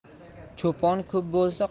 cho'pon ko'p bo'lsa